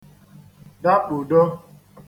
dakpùdo